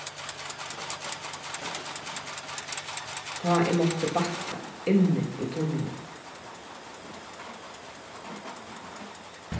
tá eg mátti bakka inni í tunlinum